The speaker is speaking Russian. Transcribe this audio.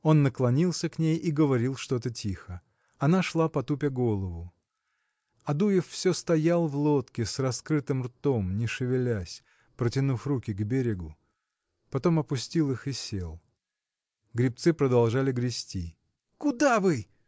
Он наклонился к ней и говорил что-то тихо. Она шла потупя голову. Адуев все стоял в лодке с раскрытым ртом не шевелясь протянув руки к берегу потом опустил их и сел. Гребцы продолжали грести. – Куда вы?